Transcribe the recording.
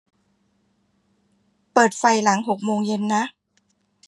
เปิดไฟหลังหกโมงเย็นนะ